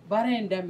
Baara in da m